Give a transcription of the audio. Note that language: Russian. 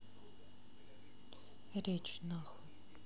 речь нахуй